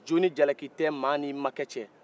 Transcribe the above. jo ni jalaki tɛ maa n'i makɛ cɛ